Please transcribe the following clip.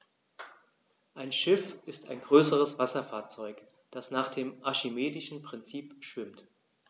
Ein Schiff ist ein größeres Wasserfahrzeug, das nach dem archimedischen Prinzip schwimmt.